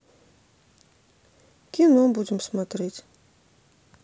кино будем смотреть